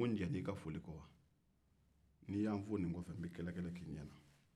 n ko n jɛna i ka foli kɔ wa ne ye n fo nin kɔfɛ n bɛ kɛlɛkɛlɛ kɛ i ɲɛ na